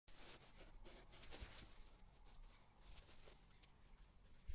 Որպես ազգ մեր արժանապատվությունը վերականգնեցինք։